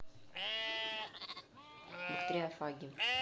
бактериофаги